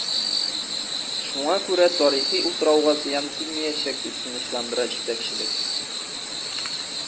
Шуңа күрә тарихи утрауга зыян килмиячәк, дип тынычландыра җитәкчелек.